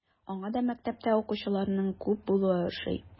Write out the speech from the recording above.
Аңа да мәктәптә укучыларның күп булуы ошый.